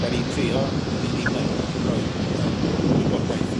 'Dan ni'n trio 'dan ni ddim yn roid yym gwybodaeth